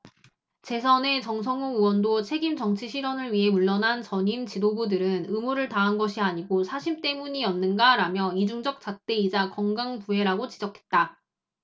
재선의 정성호 의원도 책임정치 실현을 위해 물러난 전임 지도부들은 의무를 다한 것이 아니고 사심 때문이었는가라며 이중적 잣대이자 견강부회라고 지적했다